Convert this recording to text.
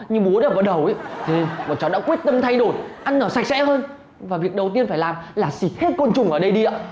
như búa đập vào đầu ý thế nên bọn cháu đã quyết tâm thay đổi ăn ở sạch sẽ hơn và việc đầu tiên phải làm là xịt hết côn trùng ở đây đi ạ